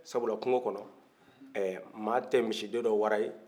sabula kungokɔnɔ ɛɛ maa tɛ misi den dɔ wara ye